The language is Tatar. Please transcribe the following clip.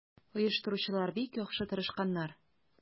Оештыручылар бик яхшы тырышканнар.